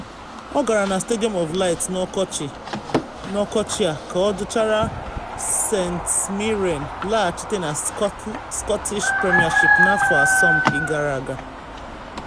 Ọ gara na Stadium of Light n’ọkọchị a ka o duchara St Mirren laghachite na Scottish Premiership n’afọ asọmpi gara aga.